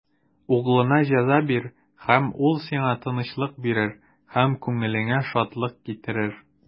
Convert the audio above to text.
Углыңа җәза бир, һәм ул сиңа тынычлык бирер, һәм күңелеңә шатлык китерер.